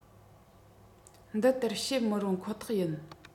འདི ལྟར བཤད མི རུང ཁོ ཐག ཡིན